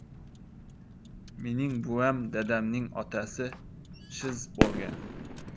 mening buvam dadamning otasi shz bo'lgan